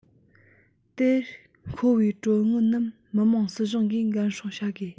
དེར མཁོ བའི གྲོན དངུལ རྣམས མི དམངས སྲིད གཞུང གིས འགན སྲུང བྱ དགོས